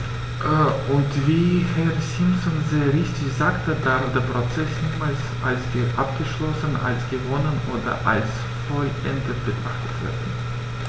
Und wie Herr Simpson sehr richtig sagte, darf der Prozess niemals als abgeschlossen, als gewonnen oder als vollendet betrachtet werden.